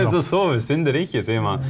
den som sover synder ikke sier man.